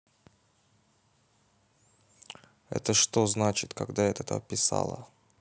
это что значит когда то писала